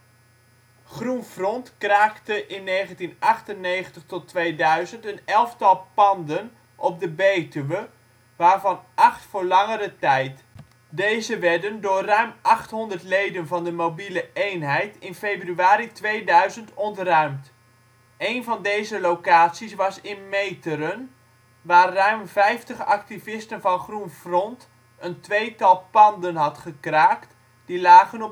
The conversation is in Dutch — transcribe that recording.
GroenFront! kraakte in 1998-2000 een elftal panden op de Betuwe, waarvan acht voor langere tijd. Deze werden door ruim 800 leden van de Mobiele Eenheid in februari 2000 ontruimd. Eén van deze locaties was in Meteren waar ruim 50 activisten van GroenFront! een tweetal panden had gekraakt die lagen